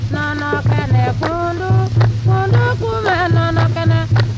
nɔnɔkɛnɛ kundu kundu kun bɛ nɔnɔkɛnɛ